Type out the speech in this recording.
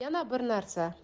yana bir narsa